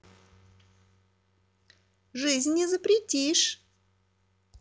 жизнь не запретишь